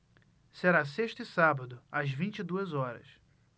será sexta e sábado às vinte e duas horas